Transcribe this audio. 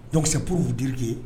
Donc c'est pour vous dire que -